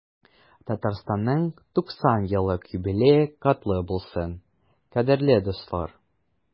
Татарстанның 90 еллык юбилее котлы булсын, кадерле дуслар!